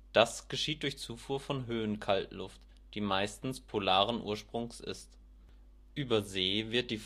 Das geschieht durch Zufuhr von Höhenkaltluft, die meistens polaren Ursprungs ist. Über See wird die Feuchtekonvektion